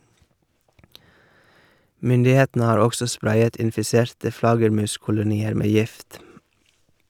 Myndighetene har også sprayet infiserte flaggermuskolonier med gift.